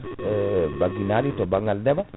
e baɗɗinali to banggal ndeema